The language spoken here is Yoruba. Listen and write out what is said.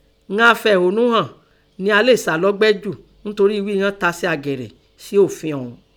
Inan afẹ̀hónúhàn nẹ a léè ṣá lọ́gbẹ́ jù lọ ńtorí ghíi inan tasẹ̀ àgẹ̀rẹ̀ sí òfi ọ̀ún.